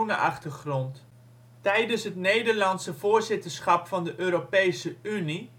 aangepakt. Tijdens het Nederlands voorzitterschap van de Europese Unie